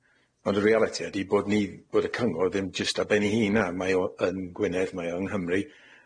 Ond y realiti ydi bod ni- bod y cyngor ddim jyst ar ben ei hun, na? Mae o yn Gwynedd, mae o yng Nghymru,